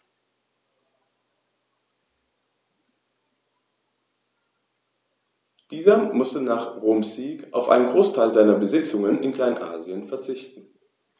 Dieser musste nach Roms Sieg auf einen Großteil seiner Besitzungen in Kleinasien verzichten.